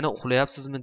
yana uxlamayapsizmi